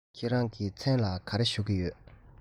ཁྱེད རང གི མཚན ལ ག རེ ཞུ གི ཡོད